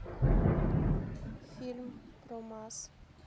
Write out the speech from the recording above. фильм про маз